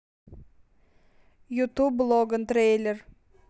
ютуб логан трейлер